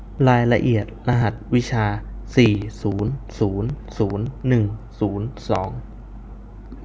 รายละเอียดรหัสวิชาสี่ศูนย์ศูนย์ศูนย์หนึ่งศูนย์สอง